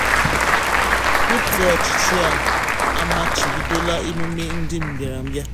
4. òtù ọchịchị a machibidola emume ndị mbịarambịa.